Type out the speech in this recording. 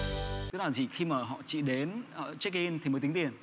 tức là gì khi mà họ chỉ đến họ chếch in thì mới tính tiền